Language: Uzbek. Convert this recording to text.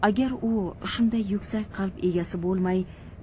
gar u shunday yuksak qalb egasi bo'lmay